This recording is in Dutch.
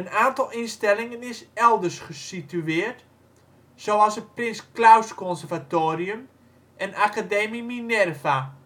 aantal instellingen is elders gesitueerd, zoals het Prins Claus Conservatorium en Academie Minerva